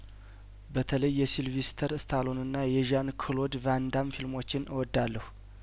በተለይ የሲልቪስተርስ ታሎንና የዣንክሎድ ቫንዳም ፊልሞችን እወዳለሁ